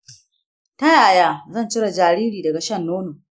ta yaya zan cire jariri daga shan nono?